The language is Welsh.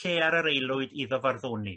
yr aelwyd iddo farddoni.